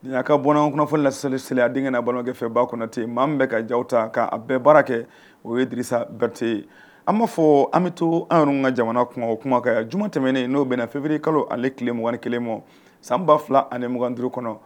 N' a ka bɔn kunnafoni lasali seli a denkɛ bankɛfɛ ba kɔnɔtɛ maa bɛ ka ja ta'a bɛɛ baara kɛ o yesa berete ye an b'a fɔ an bɛ to an ka jamana o kuma kan yan juma tɛmɛnen n'o bɛ fitiriri kalo ani tile mugan kelen ma sanba fila ani mugan d kɔnɔ